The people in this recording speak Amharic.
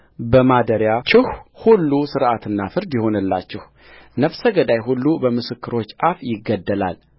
በማደሪያችሁ ሁሉ ሥርዓትና ፍርድ ይሁኑላችሁነፍሰ ገዳይ ሁሉ በምስክሮች አፍ ይገደላል